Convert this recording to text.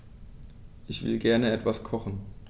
Ich will gerne etwas kochen.